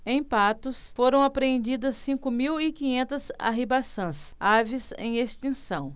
em patos foram apreendidas cinco mil e quinhentas arribaçãs aves em extinção